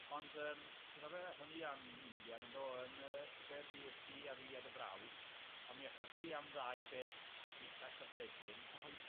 Ond yym, ti'n cofio, athon ni am Indian, yndo, yn yy Gaerdydd, ti a fi a dy frawd, a mi athon chi am ddau beth itha cyffredin. O ie.